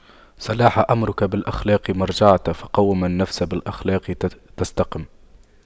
صلاح أمرك بالأخلاق مرجعه فَقَوِّم النفس بالأخلاق تستقم